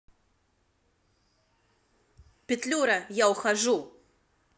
петлюра я ухожу